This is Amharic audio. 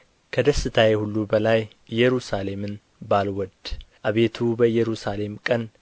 ከደስታዬ ሁሉ በላይ ኢየሩሳሌምን ባልወድድ አቤቱ በኢየሩሳሌም ቀን